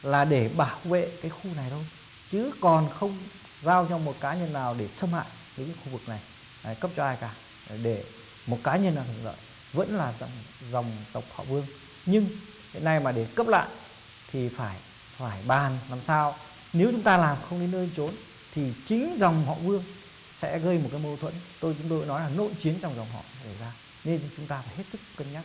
là để bảo vệ cái khu này thôi chứ còn không giao cho một cá nhân nào để xâm hại đến khu vực này ấy cấp cho ai cả để một cá nhân nào hưởng lợi vẫn là dòng dòng tộc họ vương nhưng hiện nay mà để cấp lại thì phải phải bàn làm sao nếu chúng ta làm không đến nơi đến chốn thì chính dòng họ vương sẽ gây một cái mâu thuẫn tôi tôi nói là nội chiến trong dòng họ xảy ra nên chúng ta phải hết sức cân nhắc